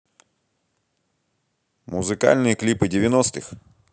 музыкальные клипы девяностых